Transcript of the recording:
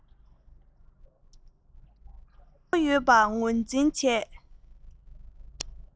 དགོས མཁོ ཡོད པ ངོས འཛིན བྱས